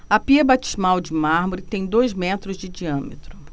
a pia batismal de mármore tem dois metros de diâmetro